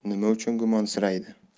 nima uchun gumonsiraydi